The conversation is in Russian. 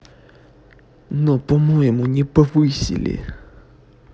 но по моему не повысили